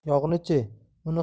yog'ni chi uni